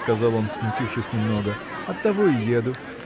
– сказал он, смутившись немного, – оттого и еду.